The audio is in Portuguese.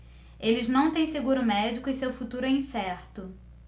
eles não têm seguro médico e seu futuro é incerto